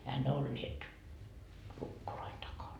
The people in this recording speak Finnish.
eihän ne olleet lukkojen takana